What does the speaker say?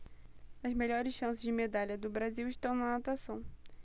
as melhores chances de medalha do brasil estão na natação